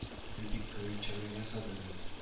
Сез бик кыю чыгыш ясадыгыз